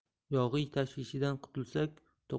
yog'iy tashvishidan qutulsak